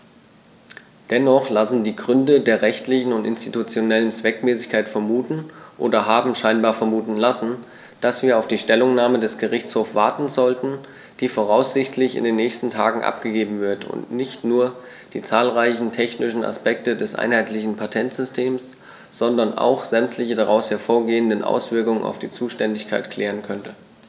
Dennoch lassen die Gründe der rechtlichen und institutionellen Zweckmäßigkeit vermuten, oder haben scheinbar vermuten lassen, dass wir auf die Stellungnahme des Gerichtshofs warten sollten, die voraussichtlich in den nächsten Tagen abgegeben wird und nicht nur die zahlreichen technischen Aspekte des einheitlichen Patentsystems, sondern auch sämtliche daraus hervorgehenden Auswirkungen auf die Zuständigkeit klären könnte.